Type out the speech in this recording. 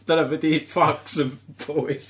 Dyna be 'di, fox yn Powys.